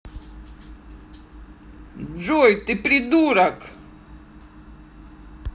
джой ты придурок